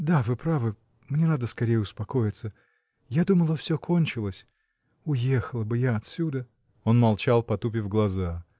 Да, вы правы: мне надо скорее успокоиться. Я думала, всё кончилось. Уехала бы я отсюда! Он молчал, потупив глаза.